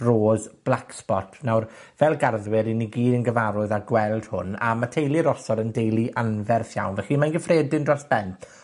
rose blackspot. Nawr, fel garddwyr, 'yn ni gyd yn gyfarwydd â gweld hwn a ma' teulu rosod yn deulu anferth iawn. Felly, mae'n gyffredin dros ben.